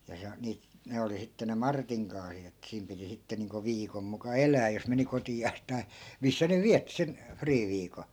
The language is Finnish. ja se -- ne oli sitten ne Martin kaasit että siinä piti sitten niin kuin viikon muka elää jos meni kotiansa tai missä ne vietti sen friiviikon